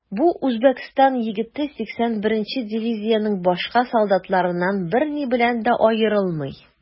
Бу Үзбәкстан егете 81 нче дивизиянең башка солдатларыннан берни белән дә аерылмый.